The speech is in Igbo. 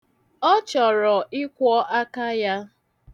Ọ chọrọ ịkwọ aka ya